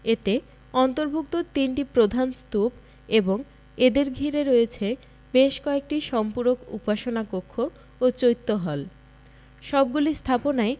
এতে অন্তর্ভুক্ত তিনটি প্রধান স্তূপ এবং এদের ঘিরে রয়েছে বেশ কয়েকটি সম্পূরক উপাসনা কক্ষ ও চৈত্য হল সবগুলি স্থাপনাই